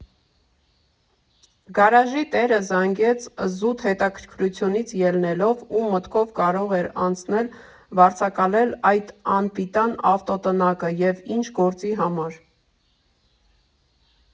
Գարաժի տերը զանգեց զուտ հետաքրքրությունից ելնելով՝ ու՞մ մտքով կարող էր անցնել վարձակալել այդ անպիտան ավտոտնակը և ի՞նչ գործի համար։